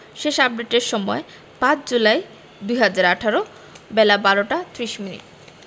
শেষ আপডেটের সময় ৫ জুলাই ২০১৮ বেলা ১২টা ৩০মিনিট